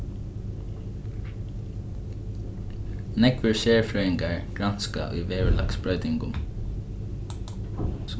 nógvir serfrøðingar granska í veðurlagsbroytingum